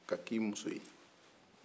ka ki muso ye